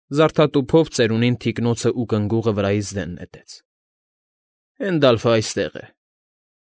Զարդատուփով ծերունին թիկնոցն ու կգնուղը վրայից դեն նետեց։֊ Հենդալֆն այստեղ է։